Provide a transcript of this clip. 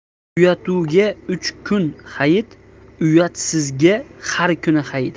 uyatuga uch kun hayit uyatsizga har kun hayit